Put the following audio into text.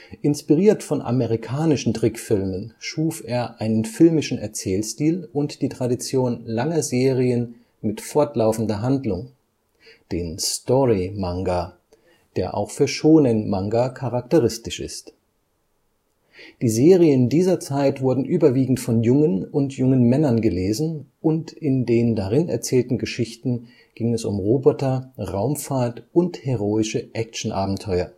Inspiriert von amerikanischen Trickfilmen schuf er einen filmischen Erzählstil und die Tradition langer Serien mit fortlaufender Handlung, den Story-Manga, der auch für Shōnen-Manga charakteristisch ist. Die Serien dieser Zeit wurden überwiegend von Jungen und jungen Männern gelesen und in den darin erzählten Geschichten ging es um Roboter, Raumfahrt und heroische Action-Abenteuer